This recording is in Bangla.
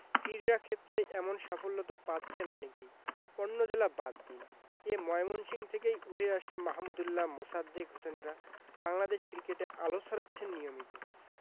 ক্রীড়াক্ষেত্রে এমন সাফল্য তো পাচ্ছেন অনেকেই অন্য জেলা বাদ দিন এ ময়মনসিং থেকেই উঠে আসা মাহমুদউল্লাহ মোসাদ্দেক হোসেনরা বাংলাদেশ ক্রিকেটে আলো ছড়াচ্ছেন নিয়মিত